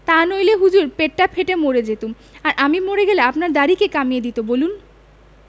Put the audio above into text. তানইলে হুজুর পেটটা ফেটে মরে যেতুমআর আমি মরে গেলে আপনার দাড়ি কে কমিয়ে দিত বলুন